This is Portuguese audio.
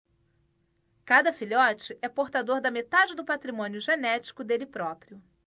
cada filhote é portador da metade do patrimônio genético dele próprio